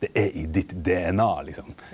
det er i ditt DNA liksom.